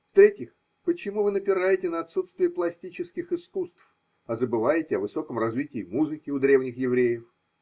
В-третьих – почему вы напираете на отсутствие пластических искусств, а забываете о высоком развитии музыки у древних евреев?